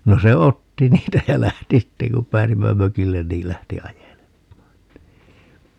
no se otti niitä ja lähti sitten kun pääsimme mökille niin lähti ajelemaan niin